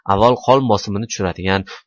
avval qon bosimini tushiradigan